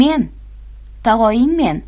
men tog'o yingmen